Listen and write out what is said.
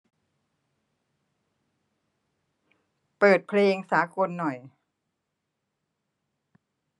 เปิดเพลงสากลหน่อย